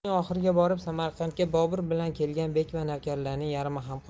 qishning oxiriga borib samarqandga bobur bilan kelgan bek va navkarlarning yarmi ham qolmadi